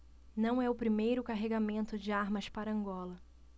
não é o primeiro carregamento de armas para angola